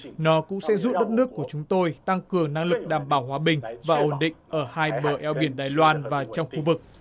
nó cũng sẽ giúp đất nước của chúng tôi tăng cường năng lực đảm bảo hòa bình và ổn định ở hai bờ eo biển đài loan và trong khu vực